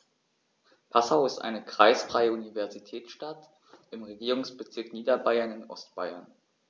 Passau ist eine kreisfreie Universitätsstadt im Regierungsbezirk Niederbayern in Ostbayern.